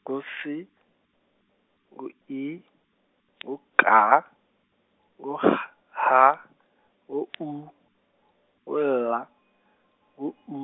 ngu S, ngu I, ngu K, ngu H, ngu U, ngu L , ngu U,